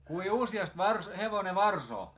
kuinka useasti hevonen varsoi